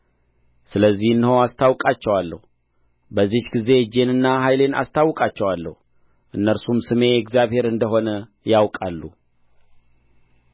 ስለዚህ እነሆ አስታውቃቸዋለሁ በዚህች ጊዜ እጄንና ኃይሌን አስታውቃቸዋለሁ እነርሱም ስሜ እግዚአብሔር እንደ ሆነ ያውቃሉ